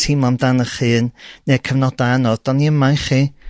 teimlo amdan eich hun neu'r cyfnoda' anodd 'da ni yma i chi.